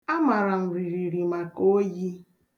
Amara m ririri maka oyi.